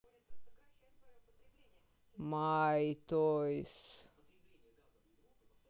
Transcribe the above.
май тойс